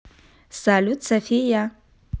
салют софия